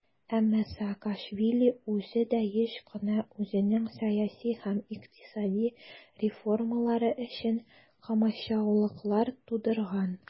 Әмма Саакашвили үзе дә еш кына үзенең сәяси һәм икътисади реформалары өчен комачаулыклар тудырган.